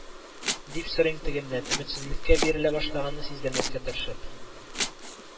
Дип сорыйм тегеннән, өметсезлеккә бирелә башлаганны сиздермәскә тырышып